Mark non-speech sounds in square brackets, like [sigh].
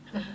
[hesitation] [hesitation]